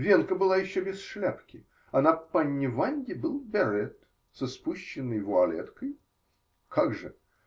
Венка была еще без шляпки, а на панне Ванде был берет со спущенной вуалеткой. Как же?.